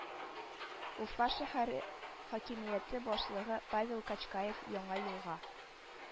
Уфа шәһәре хакимияте башлыгы Павел Качкаев Яңа елга